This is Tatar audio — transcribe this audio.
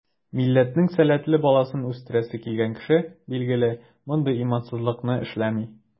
Милләтнең сәләтле баласын үстерәсе килгән кеше, билгеле, мондый имансызлыкны эшләми.